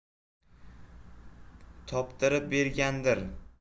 topdirib bergandir